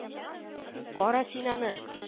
— кара син аны